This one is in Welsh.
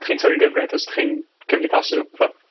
bo' chi'n torri'r gyfriaeth os 'dych chi'n cymdeithasu mewn pub,